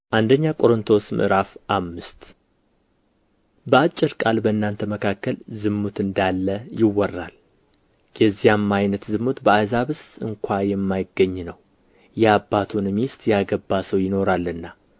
አንደኛ ቆሮንጦስ ምዕራፍ አምስት በአጭር ቃል በእናንተ መካከል ዝሙት እንዳለ ይወራል የዚያም ዓይነት ዝሙት በአሕዛብስ እንኳ የማይገኝ ነው የአባቱን ሚስት ያገባ ሰው ይኖራልና